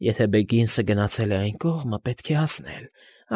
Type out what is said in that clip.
Եթե Բեգինս֊ս֊սը գնացել է այն կողմը, պետք է հաս֊ս֊սնել։